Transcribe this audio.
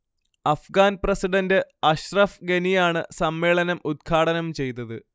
Afghan president Ashraf ഗനിയാണ് സമ്മേളനം ഉദ്ഘാടനം ചെയ്തത്